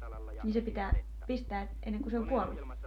niin se pitää pistää ennen kuin se on kuollut